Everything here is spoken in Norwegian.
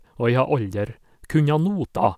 Og jeg har aldri kunnet noter.